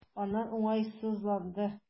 Анна уңайсызланды.